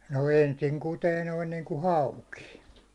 no ensin kutee noin niin kuin hauki